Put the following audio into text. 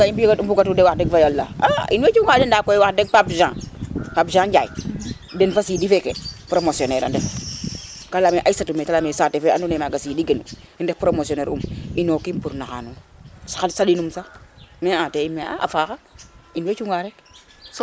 ka i mbiya mbuga tu de wax deg fa yala a in mboy cunga nda koy wax deg Pape Jean Pape Jean Ndiaye def fa Sidy feke promotionnaire a ndefu ka leyame Aissatou me ha te leyame saate fe ando naye maga Sidy genu um ref promotionnaire um ino kim pour naxa nuun sandinum sax me an a faxa in woy cunga rek